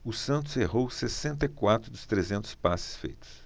o santos errou sessenta e quatro dos trezentos passes feitos